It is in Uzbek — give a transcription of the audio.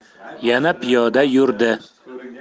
yana piyoda yurdi